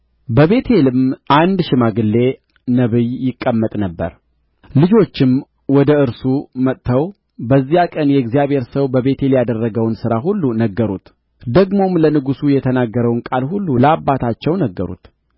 በቤቴልም አንድ ሽማግሌ ነቢይ ይቀመጥ ነበር ልጆቹም ወደ እርሱ መጥተው በዚያ ቀን የእግዚአብሔር ሰው በቤቴል ያደረገውን ሥራ ሁሉ ነገሩት ደግሞም ለንጉሡ የተናገረውን ቃል ሁሉ ለአባታቸው ነገሩት